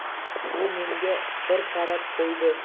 u menga bir qarab qo'ydi